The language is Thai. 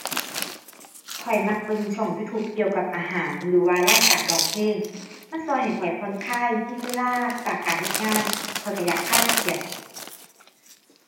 ข้อยมักเบิ่งช่อง YouTube เกี่ยวกับอาหาร หรือว่ารายการร้องเพลง มันช่วยให้ข้อยผ่อนคลาย มีเวลาจากการเฮ็ดงานข้อยช่วยอยากคลายเครียด